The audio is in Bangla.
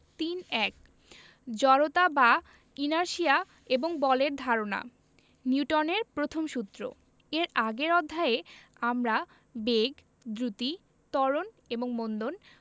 ৩১ জড়তা বা ইনারশিয়া এবং বলের ধারণা নিউটনের প্রথম সূত্র এর আগের অধ্যায়ে আমরা বেগ দ্রুতি ত্বরণ এবং মন্দন